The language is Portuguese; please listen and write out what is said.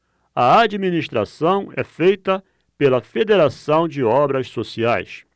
a administração é feita pela fos federação de obras sociais